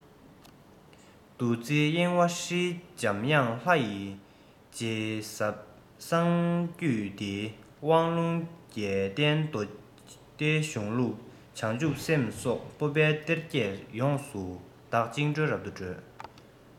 འདུ འཛིའི གཡེང བ ཧྲིལ འཇམ དབྱངས ལྷ ཡིས རྗེས ཟབ གསང རྒྱུད སྡེའི དབང ལུང རྒྱལ བསྟན མདོ སྡེའི གཞུང ལུགས བྱང ཆུབ སེམས སོགས སྤོབས པའི གཏེར བརྒྱད ཡོངས སུ དག ཅིང རབ ཏུ གྲོལ